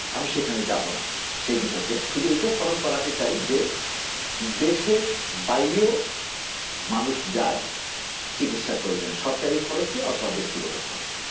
আমি সেখানে যাব না সে বিতর্কে শুধু এটা স্মরণ করাতে চাই যে দেশের বাইরে ও মানুষ যায় চিকিৎসা প্রয়োজনে সরকারি খরচে অথবা ব্যক্তিগত খরচে